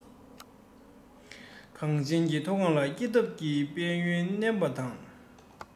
གངས ཅན གྱི མཐོ སྒང ལ སྐྱེ སྟོབས ཀྱི དཔལ ཡོན བསྣན པ དང